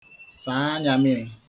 saa ānyā miri